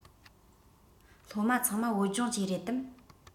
སློབ མ ཚང མ བོད ལྗོངས ཀྱི རེད དམ